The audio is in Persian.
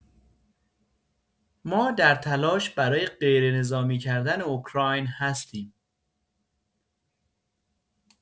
ما در تلاش برای غیرنظامی کردن اوکراین هستیم.